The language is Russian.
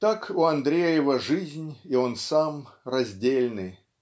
Так, у Андреева жизнь и он сам раздельны.